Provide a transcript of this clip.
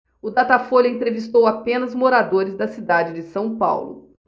o datafolha entrevistou apenas moradores da cidade de são paulo